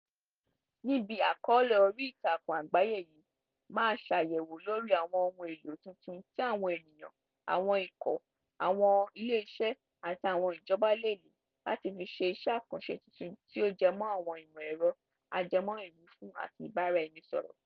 Níbi àkọ́ọ́lẹ̀ orí ìtàkùn àgbáyé yìí, máa ṣàyẹ̀wò lórí àwọn ohun èlò tuntun tí àwọn ènìyàn, àwọn ikọ̀, àwọn ilé iṣẹ́ àti àwọn ìjọba le lò láti fi ṣe iṣẹ́ àkànṣe tuntun tí ó jẹmọ́ àwọn ìmọ̀ ẹ̀rọ ajẹmọ́ ìwífún àti ìbáraẹnisọ̀rọ̀.